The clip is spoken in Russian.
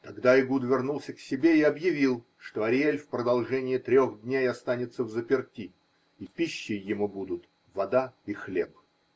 Тогда Эгуд вернулся к себе и объявил, что Ариэль в продолжение трех дней останется взаперти, и пищей ему будут вода и хлеб.